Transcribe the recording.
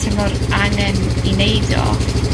teimlo'r angen i neud o